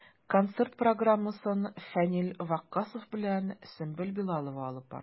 Концерт программасын Фәнил Ваккасов белән Сөмбел Билалова алып барды.